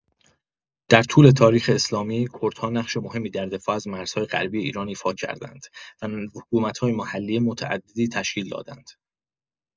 در طول تاریخ اسلامی، کردها نقش مهمی در دفاع از مرزهای غربی ایران ایفا کردند و حکومت‌های محلی متعددی تشکیل دادند.